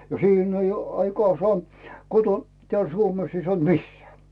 no siinä on jo aikaan saa kotona täällä Suomessa ei saanut missään